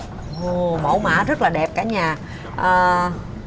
ồ mẫu mã rất là đẹp cả nhà à